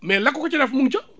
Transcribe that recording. mais la ko ko ci def mu ngi ca